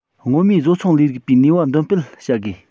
སྔོན མའི བཟོ ཚོང ལས རིགས པའི ནུས པ འདོན སྤེལ བྱ དགོས